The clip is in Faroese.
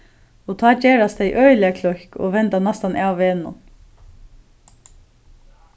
og tá gerast tey øgiliga kløkk og venda næstan av vegnum